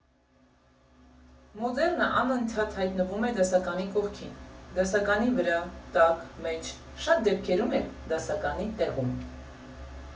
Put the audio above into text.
Մոդեռնը անընդհատ հայտնվում է դասականի կողքին, դասականի վրա տակ մեջ, շատ դեպքերում էլ՝ դասականի տեղում։